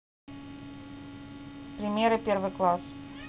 примеры первый класс